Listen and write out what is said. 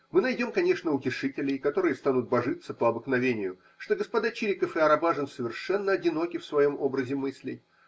Мы найдем, конечно, утешителей, которые станут божиться, по обыкновению, что господа Чириков и Арабажин совершенно одиноки в своем образе мыслей